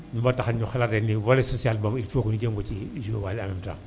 moo tax ñu xalaat rek ni volet sociale boobu il faut que ñu jéem si joué waale en même temps